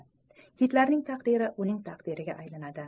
kitlarning taqdiri uning taqdiriga aylanadi